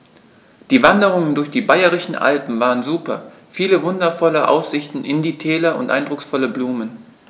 Die Wanderungen durch die Bayerischen Alpen waren super. Viele wundervolle Aussichten in die Täler und eindrucksvolle Blumen.